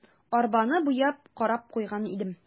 Арбаны буяп, карап куйган идем.